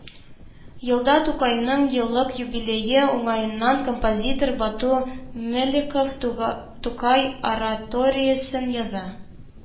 Елда тукайның еллык юбилее уңаеннан композитор бату мөлеков «тукай» ораториясен яза